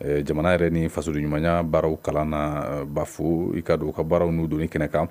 Jamana yɛrɛ ni faso ɲuman baaraw kalan na ba fo i ka don u ka baararaw n'u don kɛnɛ kan